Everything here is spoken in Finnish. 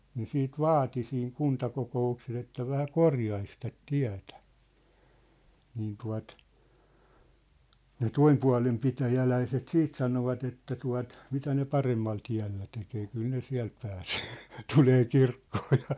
ne sitten vaati siinä kuntakokouksessa että vähän korjaisi tätä tietä niin tuo ne toisen puolen pitäjäläiset sitten sanoivat että tuota mitä ne paremmalla tiellä tekee kyllä ne siellä pääsee tulee kirkkoon ja